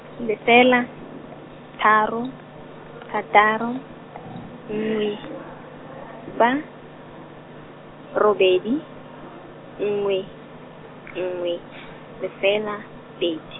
lefela, tharo , thataro, nngwe, -pa, robedi, nngwe, nngwe, lefela, pedi.